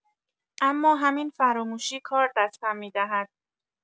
اما همین فراموشی کار دستم می‌دهد.